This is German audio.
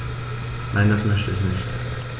Nein, das möchte ich nicht.